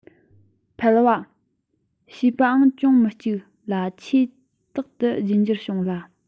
ཕལ བ ཞེས པའང ཅུང མི གཅིག ལ ཆེས རྟག ཏུ རྒྱུད འགྱུར བྱུང ལ